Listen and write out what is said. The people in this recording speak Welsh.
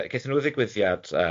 gaethon nhw ddigwyddiad yym